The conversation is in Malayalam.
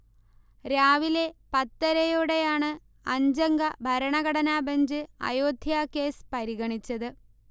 രാവിലെ പത്തരയോടെയാണ് അഞ്ചംഗ ഭരണഘടനാബഞ്ച് അയോധ്യ കേസ് പരിഗണിച്ചത്